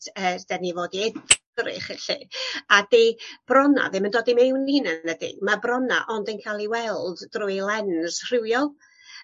s- yy 'dan ni fod i edrych felly a 'di bronna ddim yn dod i mewn i hynna nadi? Ma' bronna' ond yn ca'l 'u weld drwy lens rhywiol.